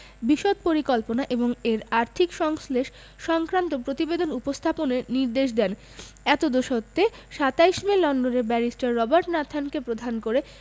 বিশদ পরিকল্পনা এবং এর আর্থিক সংশ্লেষ সংক্রান্ত প্রতিবেদন উপস্থাপনের নির্দেশ দেন এতদসত্তে ২৭ মে লন্ডনের ব্যারিস্টার রবার্ট নাথানকে প্রধান করে